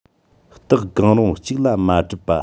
རྟགས གང རུང གཅིག ལ མ གྲུབ པ